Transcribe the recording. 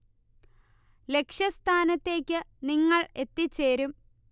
ലക്ഷ്യസ്ഥാനത്തേക്ക് നിങ്ങൾ എത്തിച്ചേരും